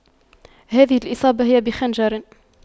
هذه الإصابة هي بخنجر